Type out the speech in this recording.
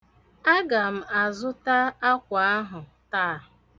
Aga m azụta akwa ahụ taa.